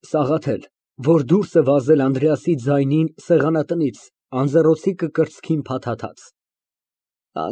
ՍԱՂԱԹԵԼ ֊ (Որ դուրս է վազել Անդրեասի ձայնին սեղանատնից, անձեռոցիկը կրծքին փաթաթած)։